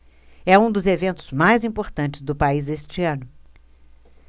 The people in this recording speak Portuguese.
é um dos eventos mais importantes do país este ano